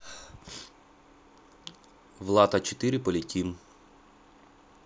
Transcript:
влад а четыре полетим